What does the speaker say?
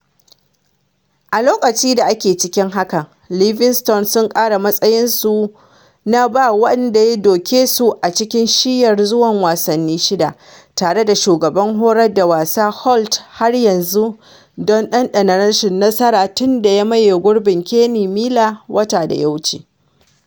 A loƙacin da ake ciki hakan, Livinsgton, sun kara matsayinsu na ba wanda ya doke su a cikin shiyyar zuwa wasanni shida, tare da shugaban horar da wasa Holt har yanzu don ɗanɗana rashin nasara tun da ya maye gurbin Kenny Miler wata da ya wuce.